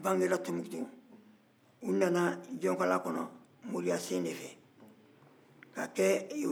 u nana jɔkala kɔnɔ moriya sen ne fɛ k'a kɛ ɛ u ka boriw ye